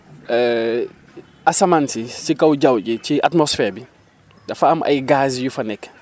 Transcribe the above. asamaan si si kaw jaww jici atmosphère bi dafa am ay gaz yu fa nekk